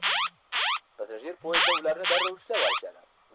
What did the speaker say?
passajir poezdda ularni darrov ushlab olishadi